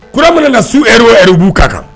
K ko mana ka su buu kan kan